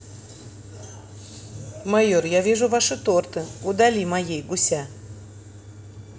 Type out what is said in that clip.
major я вижу ваши торты удали моей гуся